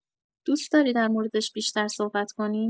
دوست‌داری در موردش بیشتر صحبت کنیم؟